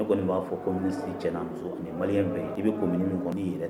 Ne kɔni b'a fɔ ko si ti muso ni wale bɛ i bɛ ko mini yɛrɛ dɛ